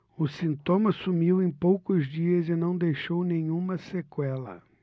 o sintoma sumiu em poucos dias e não deixou nenhuma sequela